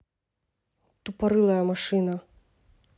тупорылая машина